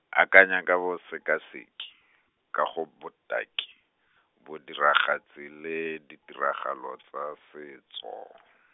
akanya ka bosekaseki, ka ga botaki, bodiragatsi le ditiragalo tsa setso.